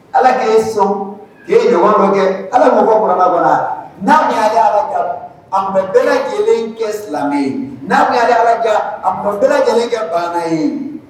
Ala kɛ ye sɔn ye ɲɔgɔn kɛ ala mɔgɔbaga n' ala a bɛ bɛɛ lajɛlen kɛ silamɛ ye nya ala a ma bɛɛ lajɛlen kɛ bana ye